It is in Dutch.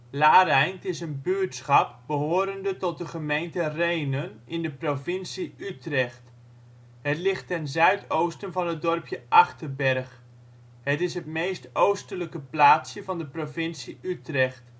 Laareind is een buurtschap behorende tot de gemeente Rhenen, in de provincie Utrecht. Het ligt ten zuidoosten van het dorpje Achterberg. Het is het meest oostelijke plaatsje van de provincie Utrecht